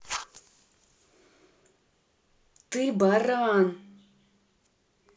ты баран